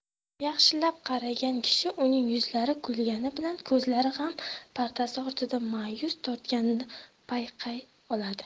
yaxshilab qaragan kishi uning yuzlari kulgani bilan ko'zlari g'am pardasi ortida ma'yus tortganini payqay oladi